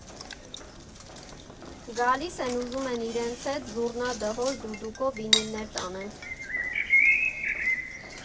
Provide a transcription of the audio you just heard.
Գալիս են, ուզում են իրենց հետ զուռնա դհոլ դուդուկով վինիլներ տանեն։